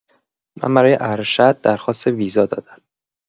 من برای ارشد درخواست ویزا دادم.